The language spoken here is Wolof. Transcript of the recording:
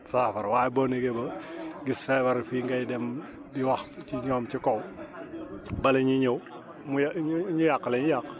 saafara waaye boo négee ba gis feebar fii ngay dem di wax ci ñoom ci kaw bala ñuy ñëw mu yà ñu yàq la ñuy yàq